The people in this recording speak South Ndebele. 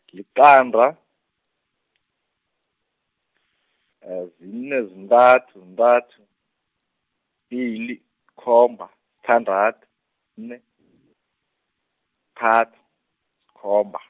liqanda, s- zine, zintathu, -ntathu, -bili, khomba, sithandathu, -une , -thathu, sikhomba.